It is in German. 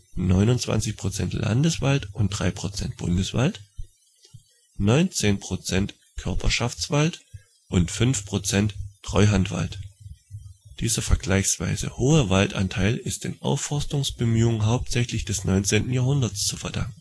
29 % Landeswald und 3 % Bundeswald), 19 % Körperschaftswald und 5 % Treuhandwald. Dieser vergleichsweise hohe Waldanteil ist den Aufforstungsbemühungen hauptsächlich des 19. Jahrhunderts zu verdanken